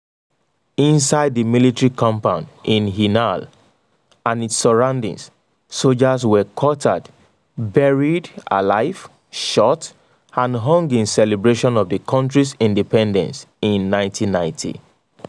Inside the military compound in Inal and its surroundings, soldiers were quartered, buried alive, shot, and hung in celebration of the country's independence in 1990.